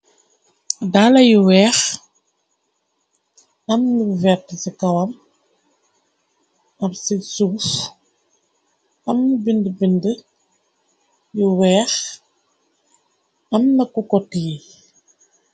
Daala yu weex amn vert ci kawam ab sisuus am bind-bind yu weex am na ku kot yi.